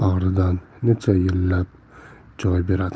bag'ridan necha yillab joy beradi